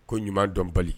Ko ɲuman dɔnbali